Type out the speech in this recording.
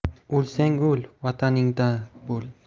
o'lsang o'l vataningda bo'l